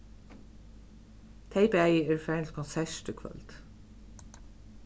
tey bæði eru farin til konsert í kvøld